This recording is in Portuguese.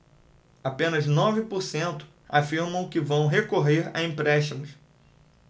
apenas nove por cento afirmam que vão recorrer a empréstimos